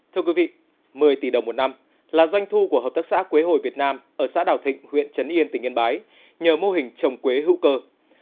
thưa quý vị mười tỷ đồng một năm là doanh thu của hợp tác xã quế hồi việt nam ở xã đào thịnh huyện trấn yên tỉnh yên bái nhờ mô hình trồng quế hữu cơ